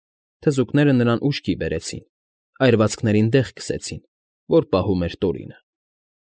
Թզուկները նրան ուշքի բերեցին, այրվածքներին դեղ քսեցին, որ պահում էր Տորինը։